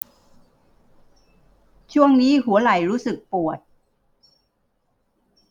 ช่วงนี้หัวไหล่รู้สึกปวด